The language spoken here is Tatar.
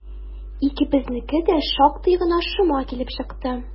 Икебезнеке дә шактый гына шома килеп чыкты.